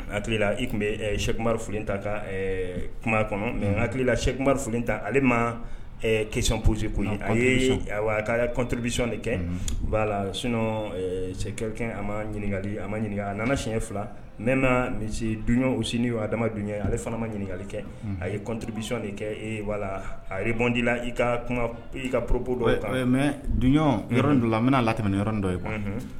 A hakilila i tun bɛ sɛ sekurifi ta ka kuma kɔnɔ hakilila sekuri f ta ale ma kec posi kun'ribisɔn de kɛ'a la sunɔn sɛkɛ a ma ɲininkakali a ma ɲininkaka a nana siɲɛ fila n mɛ ma misi dunw sini'dama dun ye ale fana ma ɲininkakali kɛ a yebisɔn de kɛ e wala arebɔndi la i ka i ka porobu dɔ mɛ dunɔrɔn dɔ la n bɛna la tɛmɛ yɔrɔɔrɔn dɔ ye